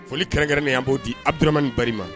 Foli kɛrɛnkɛrɛn min y' b'o di adrmani ma